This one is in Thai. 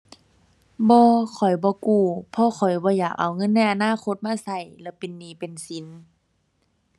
บ่ ข้อยบ่กู้ เพราะข้อยบ่อยากเอาเงินในอนาคตมาใช้ แล้วเป็นหนี้เป็นสิน